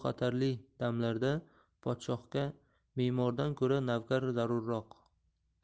xatarli damlarda podshohga memordan ko'ra navkar zarurroq